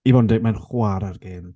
I fod yn deg, mae'n chwarae'r gêm.